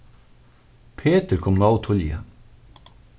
petur kom nóg tíðliga